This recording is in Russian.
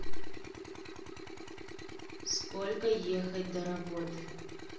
сколько ехать до работы